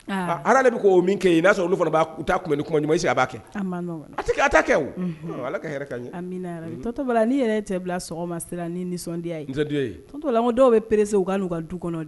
Ala de min kɛ in n'a sɔrɔ olu fana b' taa ni kuma ɲuman se ka b'a kɛ kɛ ala ni yɛrɛ tɛ bila sɔgɔma siran nisɔndiya dɔw bɛ pere se u ka'u ka du kɔnɔ